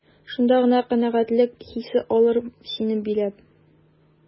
Шунда гына канәгатьлек хисе алыр сине биләп.